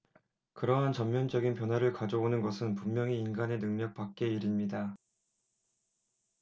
그러한 전면적인 변화를 가져오는 것은 분명히 인간의 능력 밖의 일입니다